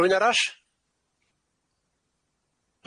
Rywun arall?